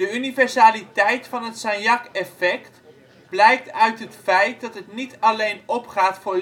universaliteit van het Sagnac-effect blijkt uit het feit dat het niet alleen opgaat voor